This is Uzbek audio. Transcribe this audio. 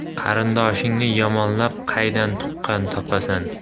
qarindoshingni yomonlab qaydan tuqqan topasan